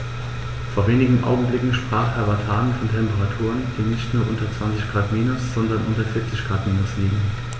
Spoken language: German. Vor wenigen Augenblicken sprach Herr Vatanen von Temperaturen, die nicht nur unter 20 Grad minus, sondern unter 40 Grad minus liegen.